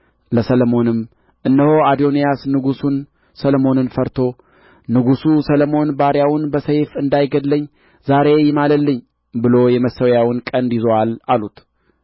ለሰሎሞንም እነሆ አዶንያስ ንጉሡን ሰሎሞንን ፈርቶ ንጉሡ ሰሎሞን ባሪያውን በሰይፍ እንዳይገድለኝ ዛሬ ይማልልኝ ብሎ የመሠዊያውን ቀንድ ይዞአል አሉት